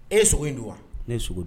E sogo in don wa? Ne sogo don.